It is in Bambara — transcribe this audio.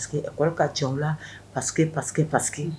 ka cɛ u la parceque parceque parceque